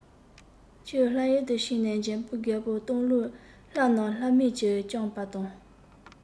ཁྱོད ལྷ ཡུལ དུ ཕྱིན ནས འཇོན པོ རྒོས པོ བཏང ལུགས ལྷ རྣམས ལྷ མིན གྱིས བཅོམ པ དང